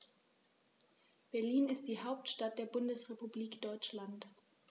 Berlin ist die Hauptstadt der Bundesrepublik Deutschland.